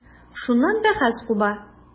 Шуннан бәхәс куба.